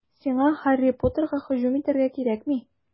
Сиңа Һарри Поттерга һөҗүм итәргә кирәкми.